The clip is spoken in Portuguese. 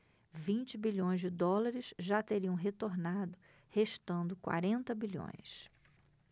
vinte bilhões de dólares já teriam retornado restando quarenta bilhões